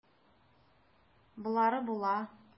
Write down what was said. Болары була.